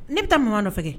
Ne bɛ taa mama nɔfɛ kɛ